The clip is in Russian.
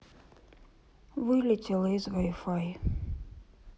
вылетела из wi fi